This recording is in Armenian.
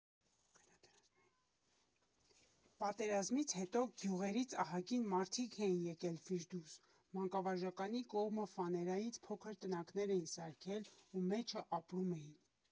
Պատերազմից հետո գյուղերից ահագին մարդիկ էին եկել Ֆիրդուս, մանկավարժականի կողմը ֆաներայից փոքր տնակներ էին սարքել ու մեջը ապրում էին։